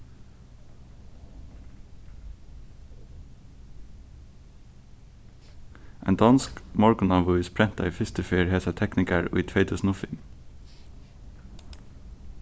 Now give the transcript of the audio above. ein donsk morgunavís prentaði fyrstu ferð hesar tekningar í tvey túsund og fimm